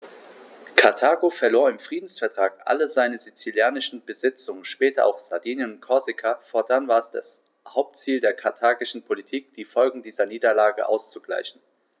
Karthago verlor im Friedensvertrag alle seine sizilischen Besitzungen (später auch Sardinien und Korsika); fortan war es das Hauptziel der karthagischen Politik, die Folgen dieser Niederlage auszugleichen.